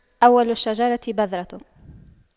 أول الشجرة بذرة